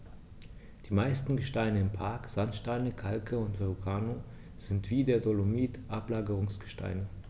Die meisten Gesteine im Park – Sandsteine, Kalke und Verrucano – sind wie der Dolomit Ablagerungsgesteine.